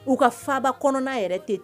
U ka fa kɔnɔna yɛrɛ tɛ